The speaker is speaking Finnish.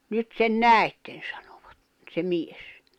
nyt sen näitte sanovat se mies